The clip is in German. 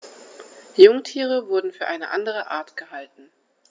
Jungtiere wurden für eine andere Art gehalten.